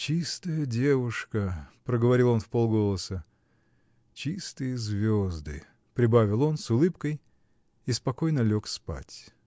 "Чистая девушка, -- проговорил он вполголоса, -- чистые звезды", -- прибавил он с улыбкой и спокойно лег спать.